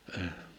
-